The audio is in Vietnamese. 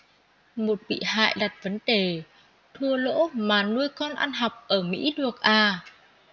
một bị hại đặt vấn đề thua lỗ mà nuôi con ăn học ở mỹ được à